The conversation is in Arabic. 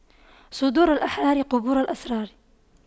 صدور الأحرار قبور الأسرار